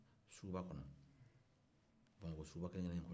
suguba kɔnɔ bamakɔsuguba kelen-kelen in kɔnɔ